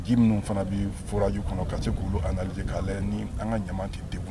Ji minnu fana bɛ furaju kɔnɔ ka se k' an k' la ye ni an ka ɲama tɛ de bɔ